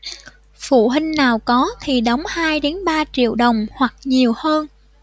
phụ huynh nào có thì đóng hai đến ba triệu đồng hoặc nhiều hơn